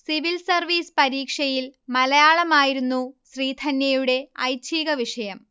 civil service പരീക്ഷയിൽ മലയാളമായിരുന്നു ശ്രീധന്യയുടെ ഐച്ഛീകവിഷയം